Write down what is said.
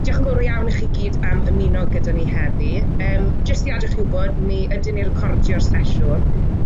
Dioch yn fowr iawn i chi gyd am ymuno gyda ni heddi yym jyst i adel i chi wbod mi ydyn ni recordio'r sesiwn.